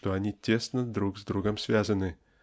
что они тесно друг с другом связаны